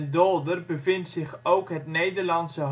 Dolder bevindt zich ook het Nederlandse